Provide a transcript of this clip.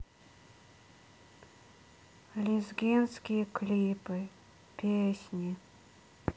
лезгинские клипы песни